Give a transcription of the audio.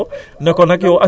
neñu na ngeen ko déglu waaw